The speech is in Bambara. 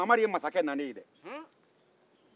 mamari ye masakɛ nanen ye dɛ